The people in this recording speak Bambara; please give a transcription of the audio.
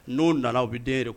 N'o nana o be den re